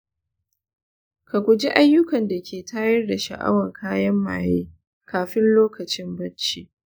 ka guji ayyukan da ke tayar da sha’awan kayan maye kafin lokacin bacci.